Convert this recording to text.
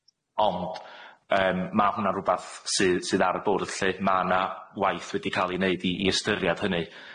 Ond yym ma' hwn'na'n rwbath sy- sydd ar y bwrdd lly. Ma' 'na waith wedi ca'l 'i neud i i ystyriad hynny.